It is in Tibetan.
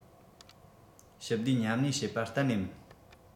ཞི བདེ མཉམ གནས བྱེད པ གཏན ནས མིན